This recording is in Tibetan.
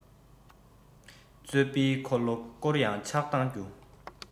རྩོད པའི འཁོར ལོ སྐོར ཡང ཆགས སྡང རྒྱུ